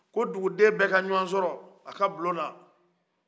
ko dugu den bɛɛ ka ɲɔgɔn sɔrɔ a ka bulon na